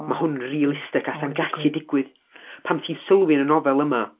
Ma' hwn yn realistig, a 'sa'n gallu digwydd, pan ti'n sylwi yn y nofel yma.